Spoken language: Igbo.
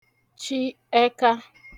chi ẹka